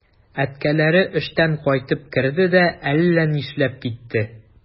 Әткәләре эштән кайтып керде дә әллә нишләп китте.